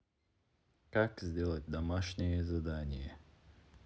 как сделать домашнее задание